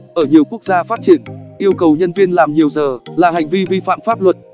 ở nhiều quốc gia phát triển yêu cầu nhân viên làm nhiều giờ là hành vi vi phạm pháp luật